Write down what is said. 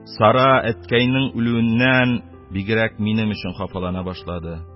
Сара, әткәйнең үлүеннән бигрәк, минем өчен хафалана башлады.